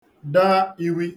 dà iwi